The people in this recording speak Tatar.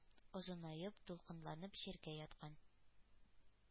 Озынаеп, дулкынланып, җиргә яткан.